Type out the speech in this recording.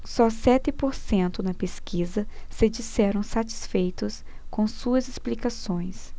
só sete por cento na pesquisa se disseram satisfeitos com suas explicações